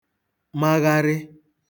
magharị